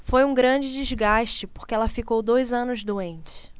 foi um grande desgaste porque ela ficou dois anos doente